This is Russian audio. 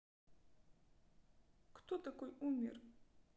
кто такой умер